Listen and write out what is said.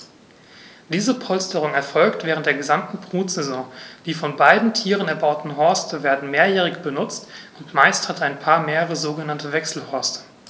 Diese Polsterung erfolgt während der gesamten Brutsaison. Die von beiden Tieren erbauten Horste werden mehrjährig benutzt, und meist hat ein Paar mehrere sogenannte Wechselhorste.